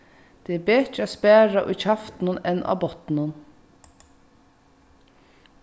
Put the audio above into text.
tað er betri at spara í kjaftinum enn á botninum